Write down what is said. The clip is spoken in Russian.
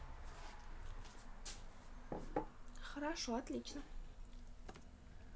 хорошо отлично